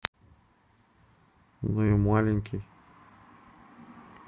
ну и маленькие